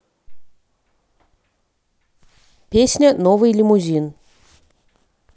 песня новый лимузин